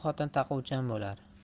xotin taquvchan bo'lar